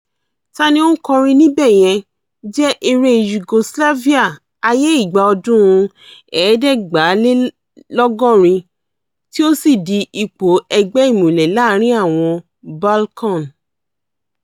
"Ta ni ó ń kọrin níbẹ̀ yẹn?" jẹ́ eré Yugoslavia ayé ìgbà 1980 tí ó sì di ipò ẹgbẹ́-ìmùlẹ̀ láàárín àwọn Balkan.